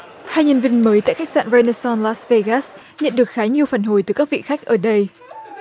hai nhân viên mới tại khách sạn vê nơ son lát vê gát nhận được khá nhiều phản hồi từ các vị khách ở đây